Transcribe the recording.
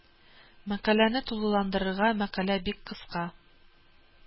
Мәкаләне тулыландырырга мәкалә бик кыска